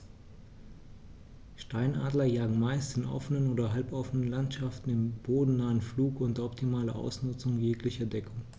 Steinadler jagen meist in offenen oder halboffenen Landschaften im bodennahen Flug unter optimaler Ausnutzung jeglicher Deckung.